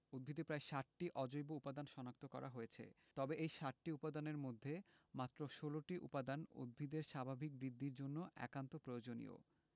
উদ্ভিদে প্রায় ৬০টি অজৈব উপাদান শনাক্ত করা হয়েছে তবে এই ৬০টি উপাদানের মধ্যে মাত্র ১৬টি উপাদান উদ্ভিদের স্বাভাবিক বৃদ্ধির জন্য একান্ত প্রয়োজনীয়